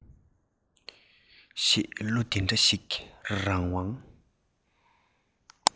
ཞེས གླུ འདི འདྲ ཞིག རང དབང